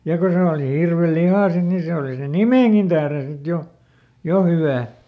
ja kun se oli hirvenlihaa sitten niin se oli sen nimenkin tähden sitten jo jo hyvää